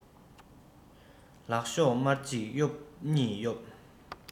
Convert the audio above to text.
ལག ཤོག དམར གཅིག གཡོབ གཉིས གཡོབ